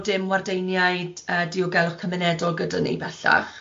dim wardeiniaid yy diogelwch cymunedol gyda ni bellach.